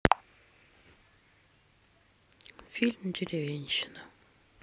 фильм деревенщина